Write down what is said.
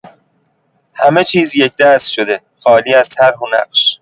همه‌چیز یک‌دست شده، خالی از طرح و نقش.